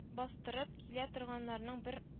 Бастырып килә торганнарның бер